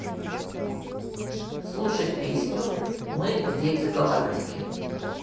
слушать песню мы дети галактики